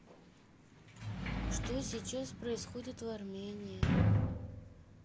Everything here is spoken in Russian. что сейчас происходит в армении